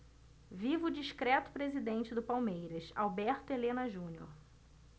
viva o discreto presidente do palmeiras alberto helena junior